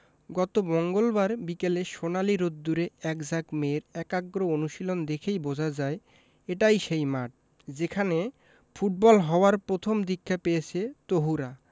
গত মঙ্গলবার বিকেলে সোনালি রোদ্দুরে একঝাঁক মেয়ের একাগ্র অনুশীলন দেখেই বোঝা যায় এটাই সেই মাঠ যেখানে ফুটবল হওয়ার প্রথম দীক্ষা পেয়েছে তহুরা